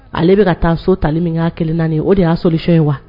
Ale bɛka ka taa so tali min kelen naani ye o de y'a soli so ye wa